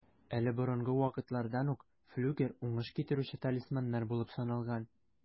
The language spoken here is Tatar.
Әле борынгы вакытлардан ук флюгер уңыш китерүче талисманнар булып саналган.